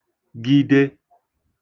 -gide